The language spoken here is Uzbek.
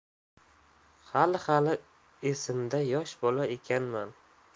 hali hali esimda yosh bola ekanman